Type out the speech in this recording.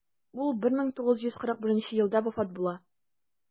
Ул 1941 елда вафат була.